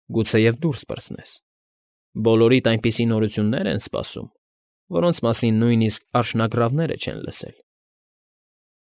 Գուցեև դուրս պրծնես։ Բոլորիդ այնպիսի նորություններ են սպասո՛ւմ, որոնց մասին նույնիսկ արջնագռավները չեն լսել։